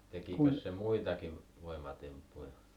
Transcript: tekikös se muitakin voimatemppuja